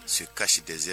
Se cacher des